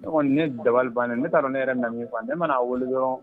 Ne dabali ban ne taara dɔn ne yɛrɛ nami faa ne mana'a weele yɔrɔ